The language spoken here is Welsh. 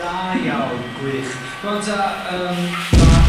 Da iawn, gwych. Rŵan 'ta yym ma'r